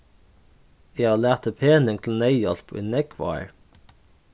eg havi latið pening til neyðhjálp í nógv ár